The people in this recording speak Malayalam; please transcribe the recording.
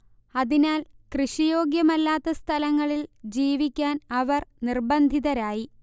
അതിനാൽ കൃഷി യോഗ്യമല്ലാത്ത സ്ഥലങ്ങളിൽ ജീവിക്കാൻ അവർ നിർബന്ധിതരായി